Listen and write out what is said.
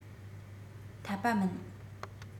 འཐད པ མིན